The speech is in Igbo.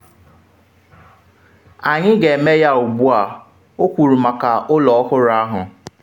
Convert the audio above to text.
“Anyị ga-eme ya ugbu a,” o kwuru maka ụlọ ọhụrụ ahụ.